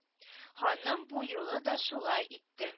Ханым бу юлы да шулай итте